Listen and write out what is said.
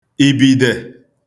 ìbìdè